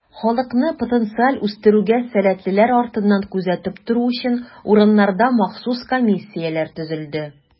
Халыкны потенциаль үстерүгә сәләтлеләр артыннан күзәтеп тору өчен, урыннарда махсус комиссияләр төзелде.